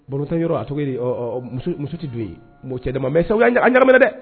Botan a cogo muso tɛ don yen cɛ dama mɛ an yɛrɛ minɛ dɛ